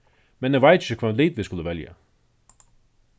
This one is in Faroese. men eg veit ikki hvønn lit vit skulu velja